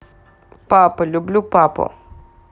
папа люблю папу